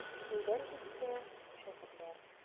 Җәйләр җитсә: шигырьләр.